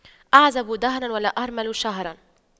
أعزب دهر ولا أرمل شهر